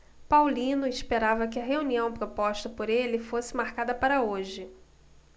paulino esperava que a reunião proposta por ele fosse marcada para hoje